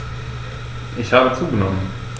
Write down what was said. Ich habe zugenommen.